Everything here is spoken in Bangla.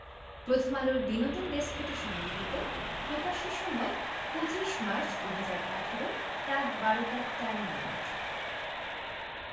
প্রথমআলো এর বিনোদন ডেস্ক হতে সংগৃহীত প্রকাশের সময় ২৫মার্চ ২০১৮ রাত ১২ টা ১৩ মিনিট